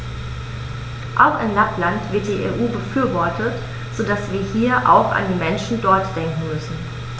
Auch in Lappland wird die EU befürwortet, so dass wir hier auch an die Menschen dort denken müssen.